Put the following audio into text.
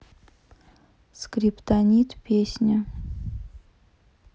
скриптонит песня